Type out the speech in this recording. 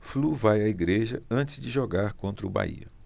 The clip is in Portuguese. flu vai à igreja antes de jogar contra o bahia